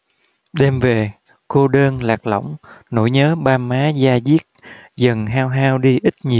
đêm về cô đơn lạc lõng nỗi nhớ ba má da diết dần hao hao đi ít nhiều